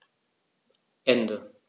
Ende.